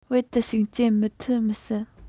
རྦད དེ ཤུགས རྐྱེན མི ཐེབས མི སྲིད